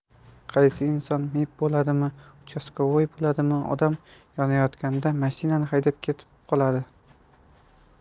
qaysi inson mib bo'ladimi 'uchastkavoy' bo'ladimi odam yonayotganda mashinani haydab ketib qoladi